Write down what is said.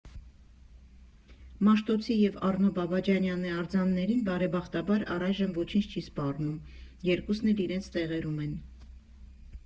Մաշտոցի և Առնո Բաբաջանյանի արձաններին, բարեբախտաբար, առայժմ ոչինչ չի սպառնում, երկուսն էլ իրենց տեղերում են։